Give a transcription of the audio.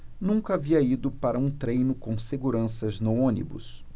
nunca havia ido para um treino com seguranças no ônibus